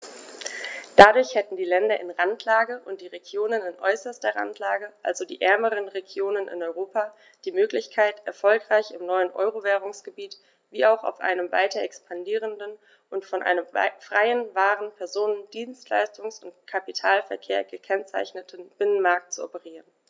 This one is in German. Dadurch hätten die Länder in Randlage und die Regionen in äußerster Randlage, also die ärmeren Regionen in Europa, die Möglichkeit, erfolgreich im neuen Euro-Währungsgebiet wie auch auf einem weiter expandierenden und von einem freien Waren-, Personen-, Dienstleistungs- und Kapitalverkehr gekennzeichneten Binnenmarkt zu operieren.